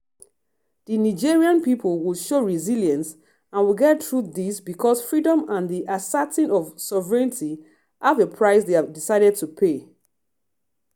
The Nigerien people will show resilience and will get through this because freedom and the ascerting of souvereignty have a price they have decided to pay.